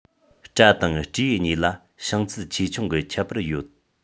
སྤྲ དང སྤྲེའུ གཉིས ལ ཤིང རྩལ ཆེ ཆུང གི ཁྱད པར ཡོད